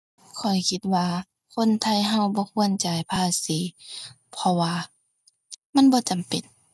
ข้อยคิดว่าคนไทยเราบ่ควรจ่ายภาษี เพราะว่ามันบ่จำเป็น